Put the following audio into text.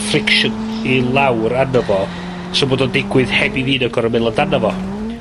friction i lawr arno fo, so bod o'n digwydd heb i fi 'yd yn o'd gor'o' meddwl amdano fo.